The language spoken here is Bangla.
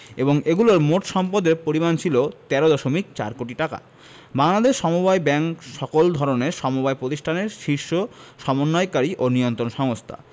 এবং এগুলোর মোট সম্পদের পরিমাণ ছিল ১৩দশমিক ৪ কোটি টাকা বাংলাদেশ সমবায় ব্যাংক সকল ধরনের সমবায় প্রতিষ্ঠানের শীর্ষ সমন্বয়কারী ও নিয়ন্ত্রণ সংস্থা